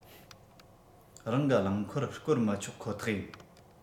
རང གི རླངས འཁོར བསྐོར མི ཆོག ཁོ ཐག ཡིན